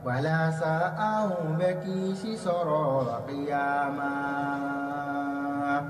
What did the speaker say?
Walasa an bɛ jigin si sɔrɔ miniyan ya